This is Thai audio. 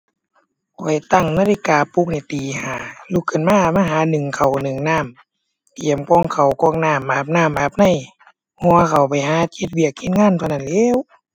ข้อยตั้งนาฬิกาปลุกไว้ตีห้า ลุกขึ้นมา มาหานึ่งข้าวนึ่งน้ำ เตรียมกล่องข้าวกล่องน้ำ อาบน้ำอาบใน ห่อข้าวไปหาเฮ็ดเวียกเฮ็ดงานเท่านั้นแหล้ว